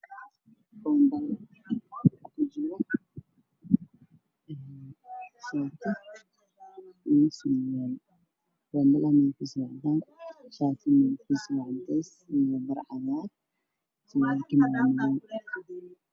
Waa bombale midabkiisu yahay cadaan waxaa saran shatigiisu yahay qaxooy iyo barbaro cadaan miis cadaan ayuu saareen